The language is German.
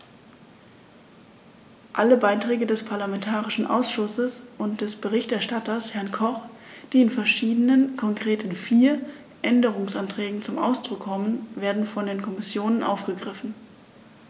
Alle Beiträge des parlamentarischen Ausschusses und des Berichterstatters, Herrn Koch, die in verschiedenen, konkret in vier, Änderungsanträgen zum Ausdruck kommen, werden von der Kommission aufgegriffen.